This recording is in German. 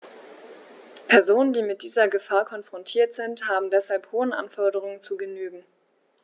Personen, die mit dieser Gefahr konfrontiert sind, haben deshalb hohen Anforderungen zu genügen.